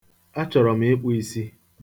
Achọrọ m ịkpụ isi.